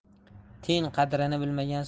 tiyin qadrini bilmagan